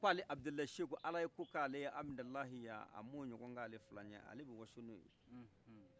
k'ale abudulaye seku ala ye kok'ale amidalayi yan amo ɲɔgɔn k'ale filaye ale bi waso n'oye